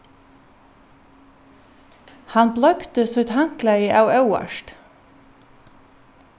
hann bleikti síni handklæði av óvart